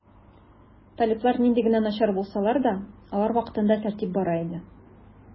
Талиблар нинди генә начар булсалар да, алар вакытында тәртип бар иде.